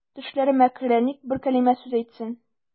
Төшләремә керә, ник бер кәлимә сүз әйтсен.